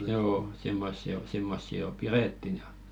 joo semmoisia - semmoisia jo pidettiin ja